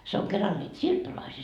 se on keralla niitä siirtolaisia